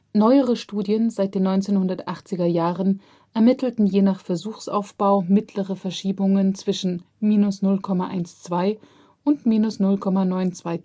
Neuere Studien seit den 1980er Jahren ermittelten je nach Versuchsaufbau mittlere Verschiebungen zwischen −0,12 und −0,93